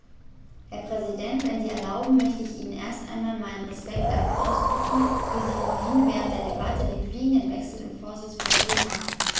Herr Präsident, wenn Sie erlauben, möchte ich Ihnen erst einmal meinen Respekt dafür ausdrücken, wie Sie vorhin während der Debatte den fliegenden Wechsel im Vorsitz vollzogen haben.